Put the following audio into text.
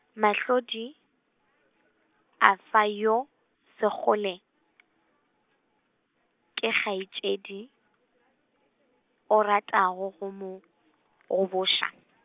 Mahlodi, afa yo Sekgole , ke kgaetšedi, o ratago go mo , goboša?